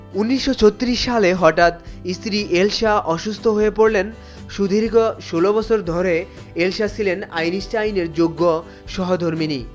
১৯৩৬ সালে হঠাৎ স্ত্রী এল সে অসুস্থ হয়ে পড়লেন সুদীর্ঘ ১৬ বছর ধরে এলসা ছিলেন আইনস্টাইনের যোগ্য সহধর্মিনী